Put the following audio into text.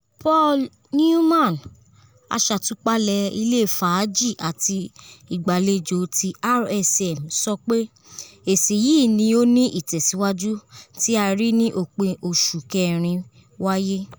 Paul Newman, aṣàtúpalẹ̀ ilé fààjì àti ìgbàlejò ti RSM sọ pé: ‘’Esi yii ni o ni ìtẹ̀siwaju ti a ri ni opin oṣu kẹrin wáyé.